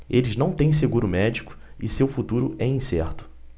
eles não têm seguro médico e seu futuro é incerto